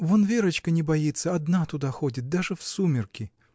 Вон Верочка не боится: одна туда ходит, даже в сумерки!